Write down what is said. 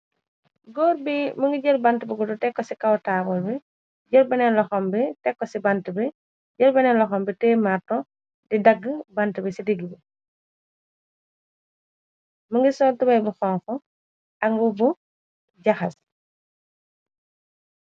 Góor bi mu ngi jël bante bu guddu tekko ci kaw taabul bi, jël benen loxam bi tekko ci bante bi, jël benen loxam bi téye marto di dagg bante bi ci digg bi, mu ngi sol tubey bu xonxa ak mbubu bu jaxas.